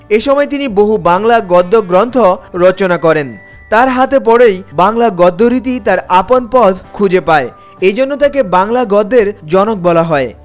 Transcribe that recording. এ সময় তিনি বহু বাংলা গদ্য গ্রন্থ রচনা করেন তার হাতে পরেই বাংলা গদ্যরীতি তার আপন পথ খুঁজে পায় এজন্য তাকে বাংলা গদ্যের জনক বলা হয়